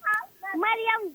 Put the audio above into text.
Mariam